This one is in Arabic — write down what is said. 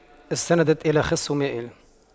استندت إلى خصٍ مائلٍ